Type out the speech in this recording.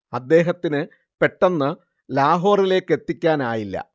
അദ്ദേഹത്തിന് പെട്ടെന്ന് ലാഹോറിലേക്കെത്തിക്കാനായില്ല